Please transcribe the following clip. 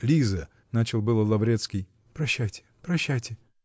-- Лиза, -- начал было Лаврецкий. -- Прощайте, прощайте!